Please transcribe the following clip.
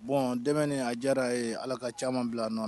Bɔn denmisɛnninnen a diyara ye ala ka caman bila a nɔ